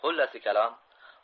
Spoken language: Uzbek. xullasi kalom